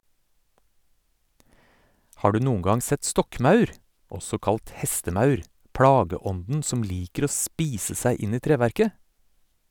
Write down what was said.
Har du noen gang sett stokkmaur, også kalt hestemaur, plageånden som liker å spise seg inn i treverket?